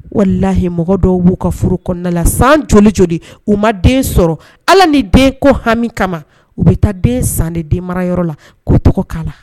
Wala layi mɔgɔ dɔw b'u ka foro kɔnɔnala san joli joli u ma den sɔrɔ ala ni den ko hami kama u bɛ taa den san de den mara yɔrɔ la ko tɔgɔ